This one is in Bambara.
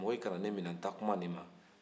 mɔgɔ kana ne minɛ n ka kuma in ma